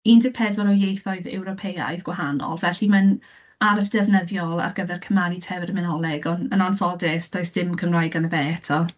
un deg pedwar o ieithoedd Ewropeaidd gwahanol. Felly mae'n arf defnyddiol ar gyfer cymharu terminoleg, ond yn anffodus, does dim Cymraeg ynddo fe eto.